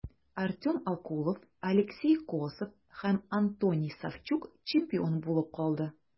Артем Окулов, Алексей Косов һәм Антоний Савчук чемпион булып калды.